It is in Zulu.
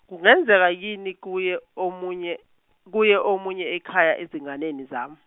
kungenzeka yini kuye omunye, kuye omunye ekhaya ezinganeni zami.